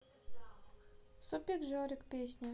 супер жорик песня